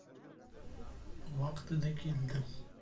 vaqtida keldim